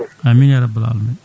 amine ya rabbal alamina